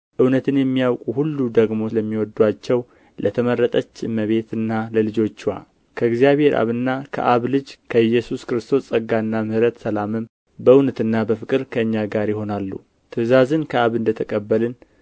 እውነትን የሚያውቁ ሁሉ ደግሞ ለሚወዱአቸው ለተመረጠች እመቤትና ለልጆችዋ ከእግዚአብሔር አብና ከአብ ልጅ ከኢየሱስ ክርስቶስ ጸጋና ምሕረት ሰላምም በእውነትና በፍቅር ከእኛ ጋር ይሆናሉ ትእዛዝን ከአብ እንደ ተቀበልን